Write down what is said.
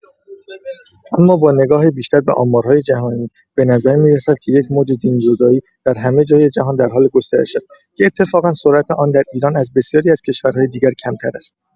اما با نگاه بیشتر به آمارهای جهانی، به نظر می‌رسد که یک موج دین زدایی در همه‌جای جهان در حال گسترش است، که اتفاقا سرعت آن در ایران از بسیاری کشورهای دیگر کمتر است.